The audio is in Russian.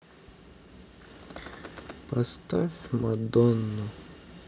поставь мадонну